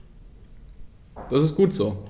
Das ist gut so.